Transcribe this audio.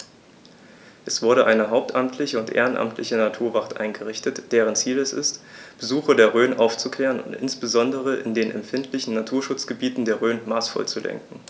Es wurde eine hauptamtliche und ehrenamtliche Naturwacht eingerichtet, deren Ziel es ist, Besucher der Rhön aufzuklären und insbesondere in den empfindlichen Naturschutzgebieten der Rhön maßvoll zu lenken.